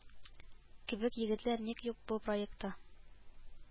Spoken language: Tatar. Кебек егетләр ник юк бу проектта